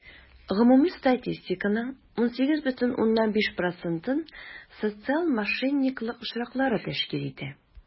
Гомуми статистиканың 18,5 процентын социаль мошенниклык очраклары тәшкил итә.